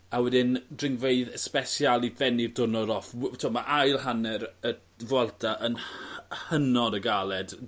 a wedyn dringfeydd especial i fenni'r diwrnod off. Wy- t'wo' ma' ail hanner y Vuelta yn hynod o galed